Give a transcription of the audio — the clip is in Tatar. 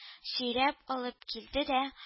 Сөйрәп алып килде дә